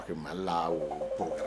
Aki la